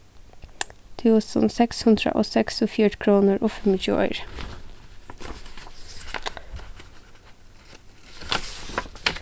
túsund seks hundrað og seksogfjøruti krónur og fimmogtjúgu oyru